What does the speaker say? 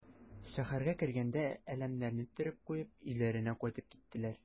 Шәһәргә кергәндә әләмнәрне төреп куеп өйләренә кайтып киттеләр.